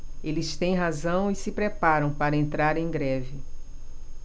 eles têm razão e se preparam para entrar em greve